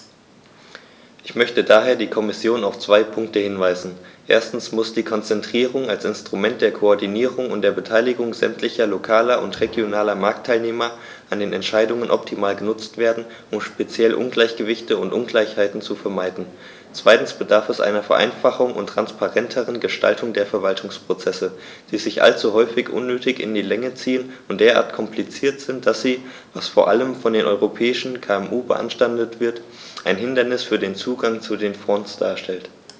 Ich möchte daher die Kommission auf zwei Punkte hinweisen: Erstens muss die Konzertierung als Instrument der Koordinierung und der Beteiligung sämtlicher lokaler und regionaler Marktteilnehmer an den Entscheidungen optimal genutzt werden, um speziell Ungleichgewichte und Ungleichheiten zu vermeiden; zweitens bedarf es einer Vereinfachung und transparenteren Gestaltung der Verwaltungsprozesse, die sich allzu häufig unnötig in die Länge ziehen und derart kompliziert sind, dass sie, was vor allem von den europäischen KMU beanstandet wird, ein Hindernis für den Zugang zu den Fonds darstellen.